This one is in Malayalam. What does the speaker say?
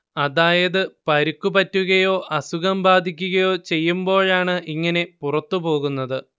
അതായത് പരിക്കു പറ്റുകയോ അസുഖം ബാധിക്കുകയോ ചെയ്യുമ്പോഴാണ് ഇങ്ങനെ പുറത്തുപോകുന്നത്